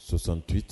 68